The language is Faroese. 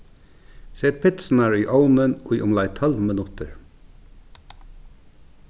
set pitsurnar í ovnin í umleið tólv minuttir